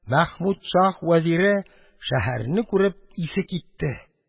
Мәхмүд шаһ вәзире шәһәрне күреп исе китте.